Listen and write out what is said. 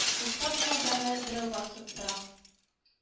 Урта буйлардагы берәү басып тора